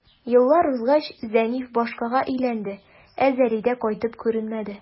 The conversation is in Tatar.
Еллар узгач, Зәниф башкага өйләнде, ә Зәлидә кайтып күренмәде.